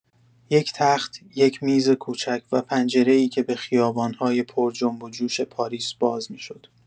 یک تخت، یک میز کوچک، و پنجره‌ای که به خیابان‌های پر جنب و جوش پاریس باز می‌شد.